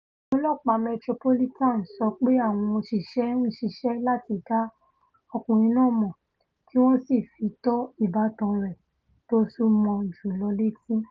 Àwọn Ọlọ́ọ̀pá Metropolitan sọ pé àwọn òṣìṣẹ́ ńṣiṣẹ́ láti dá ọkùnrin náà mọ̀ kí wọ́n sì fi tó ìbátan rẹ̀ tó súnmọ́ ọ́n jùlọ létí.